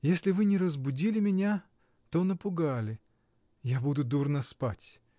— Если вы не разбудили меня, то напугали. Я буду дурно спать.